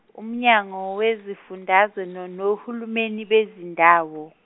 uMnyango weziFundazwe no- noHulumeni beziNdawo.